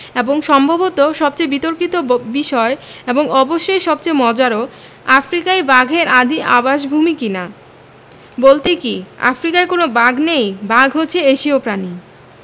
এবং সম্ভবত সবচেয়ে বিতর্কিত বিষয় এবং অবশ্যই সবচেয়ে মজারও আফ্রিকাই বাঘের আদি আবাসভূমি কি না বলতে কী আফ্রিকায় কোনো বাঘ নেই বাঘ হচ্ছে এশীয় প্রাণী